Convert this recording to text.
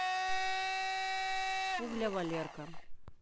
фугля валерка